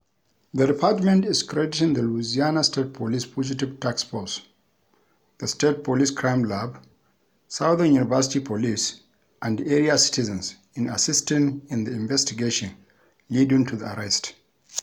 The department is crediting the Louisiana State Police fugitive task force, the state police crime lab, Southern University police and area citizens in assisting in the investigation leading to the arrest.